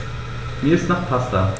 Mir ist nach Pasta.